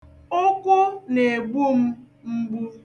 Ụkwụ na-egbu m mgbu.